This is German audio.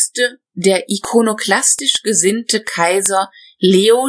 der ikonoklastisch gesinnte Kaiser Leo